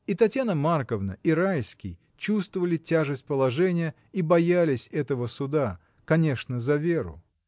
И Татьяна Марковна, и Райский чувствовали тяжесть положения и боялись этого суда — конечно, за Веру.